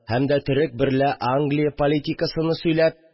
Һәм дә төрек берлә англия политикисыны сөйләп